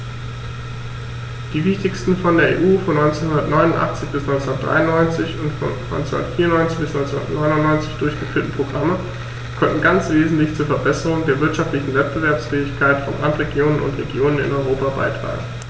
Die wichtigsten von der EU von 1989 bis 1993 und von 1994 bis 1999 durchgeführten Programme konnten ganz wesentlich zur Verbesserung der wirtschaftlichen Wettbewerbsfähigkeit von Randregionen und Regionen in Europa beitragen.